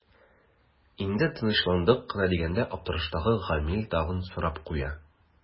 Инде тынычландык кына дигәндә аптыраштагы Гамил тагын сорап куя.